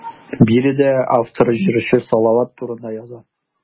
Биредә автор җырчы Салават турында яза.